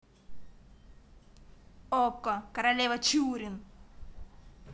okko королева чурин